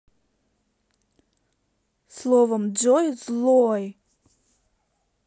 словом джой злой